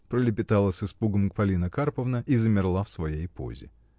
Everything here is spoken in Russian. — пролепетала с испугом Полина Карповна и замерла в своей позе.